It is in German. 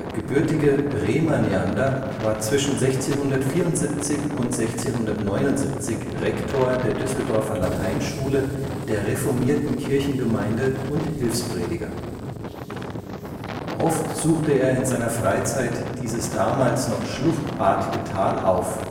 gebürtige Bremer Neander war zwischen 1674 und 1679 Rektor der Düsseldorfer Lateinschule der reformierten Kirchengemeinde und Hilfsprediger. Oft suchte er in seiner Freizeit dieses damals noch schluchtartige Tal auf